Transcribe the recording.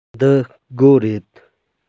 འདི སྒོ རེད